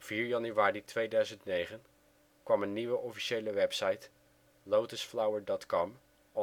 4 januari 2009 kwam een nieuwe officiële website, lotusflow3r.com online